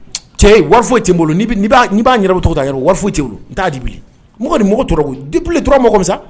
Cɛ wari foyi tɛ n bolo b'a yɛrɛ bɔ tɔgɔ' yɔrɔ wari foyi t' di bilen mɔgɔ ni mɔgɔ tora di tura mɔgɔ min sa